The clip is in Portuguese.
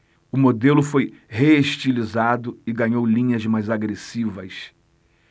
o modelo foi reestilizado e ganhou linhas mais agressivas